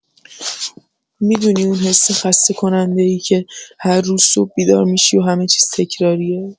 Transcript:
می‌دونی اون حس خسته‌کننده‌ای که هر روز صبح بیدار می‌شی و همه‌چیز تکراریه؟